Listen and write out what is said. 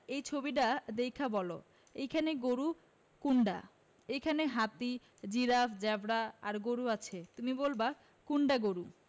এই ছবিডা দেইখা বলো এইখানে গরু কোনডা এইখানে হাতি জিরাফ জেব্রা আর গরু আছে তুমি বলবা কোনডা গরু